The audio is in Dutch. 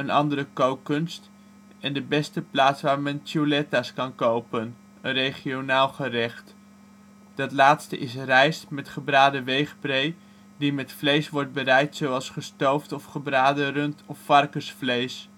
andere kookkunst, en de beste plaats waar men " Chuletas " kan kopen, een regionaal gerecht. Dat laatste is rijst met gebraden weegbree die met vlees wordt bereid zoals gestoofd of gebraden rund - of varkensvlees